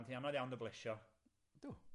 ...ti anodd iawn dy blesio. Dw.